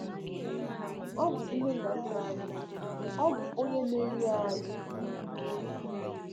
Ọ bụ nne na nna anyị, ọ bụ onye na-enye anyị ndụmọdụ.